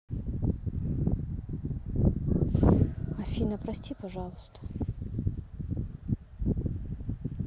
афина прости пожалуйста